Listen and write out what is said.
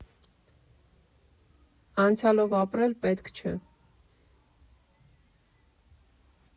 Անցյալով ապրել պետք չէ։